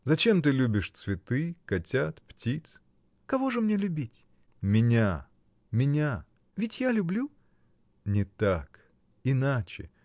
— Зачем ты любишь цветы, котят, птиц? — Кого же мне любить? — Меня, меня! — Ведь я люблю. — Не так, иначе!